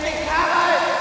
ấy